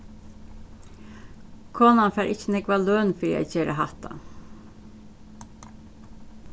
konan fær ikki nógva løn fyri at gera hatta